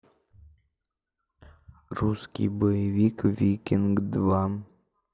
русский боевик викинг два